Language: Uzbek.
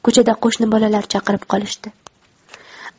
ko'chada qo'shni bolalar chaqirib qolishdi